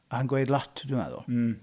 Yn gweud lot, dwi'n meddwl.